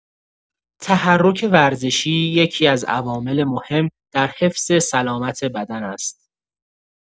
تحرک ورزشی یکی‌از عوامل مهم در حفظ سلامت بدن است.